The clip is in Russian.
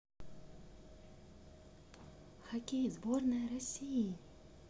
хоккей сборная россии